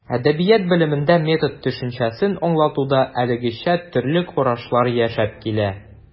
Әдәбият белемендә метод төшенчәсен аңлатуда әлегәчә төрле карашлар яшәп килә.